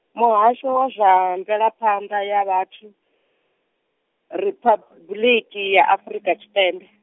Muhasho wa zwa mvelaphanḓa ya vhathu Riphabuḽiki ya Afrika Tshipembe.